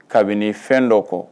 Kabini fɛn dɔ kɔ